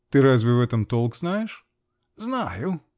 -- Ты разве в этом толк знаешь? -- Знаю.